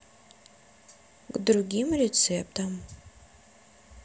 к другим рецептам